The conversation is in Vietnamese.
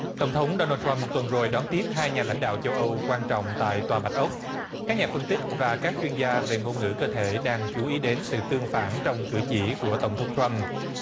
tổng thống đô na trăm tuần rồi đón tiếp hai nhà lãnh đạo châu âu quan trọng tại tòa bạch ốc các nhà phân tích và các chuyên gia về ngôn ngữ cơ thể đang chú ý đến sự tương phản trong cử chỉ của tổng thống trăm